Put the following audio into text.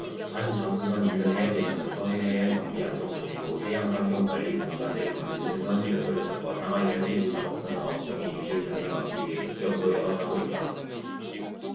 반잠수선 인근해역에는 서해해양경비안전본부 해양환경관리공단의 방제선 여덟 척과 상하이 샐비지 작업선 아홉 척이 유실 등을 막기 위해 겹겹으로 에워싸고 있다